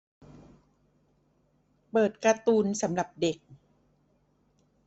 เปิดการ์ตูนสำหรับเด็ก